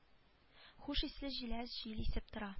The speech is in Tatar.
Хуш исле җиләс җил исеп тора